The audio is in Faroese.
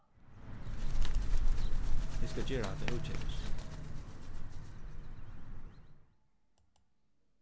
eg skal gera hatta ókeypis